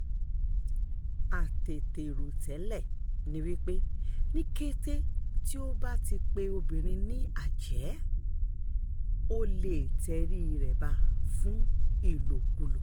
Àtètèròtẹ́lẹ̀ ni wípé ní kété tí o bá ti pe obìnrin ní àjẹ́, o lè tẹríi rẹ̀ ba fún ìlòkulò.